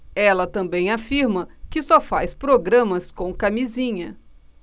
ela também afirma que só faz programas com camisinha